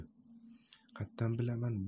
qattan bilaman